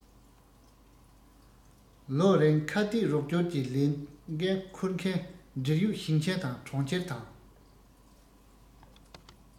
ལོ རིང ཁ གཏད རོགས སྐྱོར གྱི ལས འགན ཁུར མཁན འབྲེལ ཡོད ཞིང ཆེན དང གྲོང ཁྱེར དང